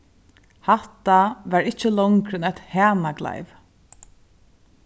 hatta var ikki longri enn eitt hanagleiv